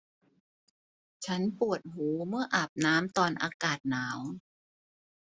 ฉันปวดหูเมื่ออาบน้ำตอนอากาศหนาว